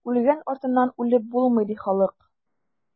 Үлгән артыннан үлеп булмый, ди халык.